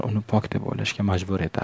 uni pok deb o'ylashga majbur etardi